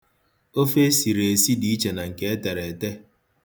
Ofe e siri esi dị iche na nke e tere ete.